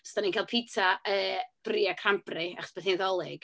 So dan ni'n cal pitsa yy brie a cranberry, achos bod hi'n Ddolig.